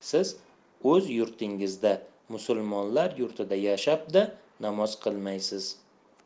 siz o'z yurtingizda musulmonlar yurtida yashab da namoz qilmaysiz